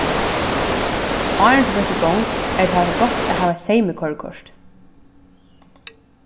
áðrenn tú fert í gongd er tað gott at hava seymikoyrikort